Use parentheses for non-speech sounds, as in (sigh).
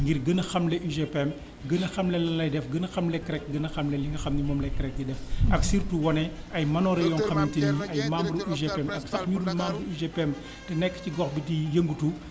ngir gën a xamle UGPM (sniffs) gën a xamle lan lay def gën a xamle CREC gën a xamle li nga xam ni moom la CREC di def (noise) ak surtout wane ay manoore yoo xam ni ay membres yu UGPM ak ku dul membre b UGPM te nekk ci gox bi di yëngatu